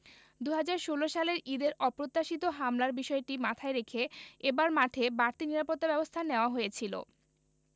২০১৬ সালের ঈদের অপ্রত্যাশিত হামলার বিষয়টি মাথায় রেখে এবার মাঠে বাড়তি নিরাপত্তাব্যবস্থা নেওয়া হয়েছিল